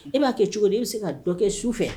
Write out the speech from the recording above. I b'a kɛ cogo di i bɛ se ka dɔ kɛ su fɛ